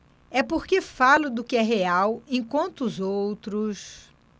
é porque falo do que é real enquanto os outros